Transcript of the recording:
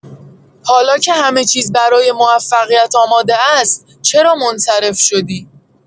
حالا که همه‌چیز برای موفقیت آماده است، چرا منصرف شدی؟